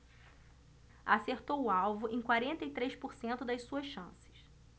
acertou o alvo em quarenta e três por cento das suas chances